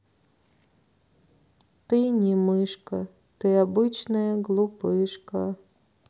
ты не мышка ты обычная глупышка